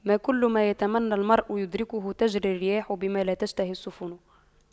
ما كل ما يتمنى المرء يدركه تجرى الرياح بما لا تشتهي السفن